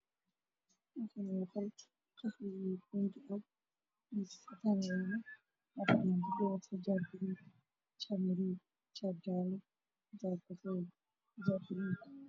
Waa naago xijaabo wato qol fadhiyo